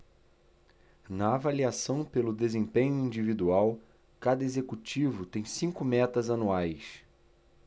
na avaliação pelo desempenho individual cada executivo tem cinco metas anuais